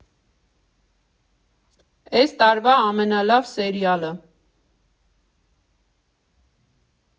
Էս տարվա ամենալավ սերիա՜լը։